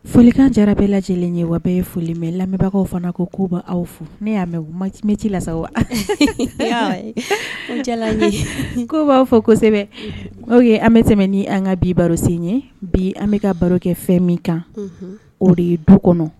Folikan jara bɛɛ lajɛ lajɛlen ye wa bɛɛ ye foli mɛ lamɛnbagaw fana koba aw fo ne y'a mɛn waatimɛti lasa ye ko b'aw fɔ kosɛbɛ o ye an bɛ tɛmɛ ni an ka bi barosen ye bi an bɛka ka baro kɛ fɛn min kan o de ye du kɔnɔ